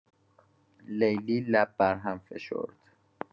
لیلی لب بر هم فشرد.